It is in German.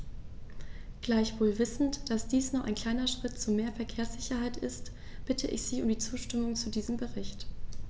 Gleichwohl wissend, dass dies nur ein kleiner Schritt zu mehr Verkehrssicherheit ist, bitte ich Sie um die Zustimmung zu diesem Bericht.